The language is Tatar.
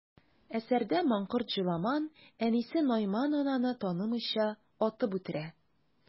Әсәрдә манкорт Җоламан әнисе Найман ананы танымыйча, атып үтерә.